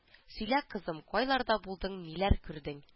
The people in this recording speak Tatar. Сөйлә кызым кайларда булдың ниләр күрдең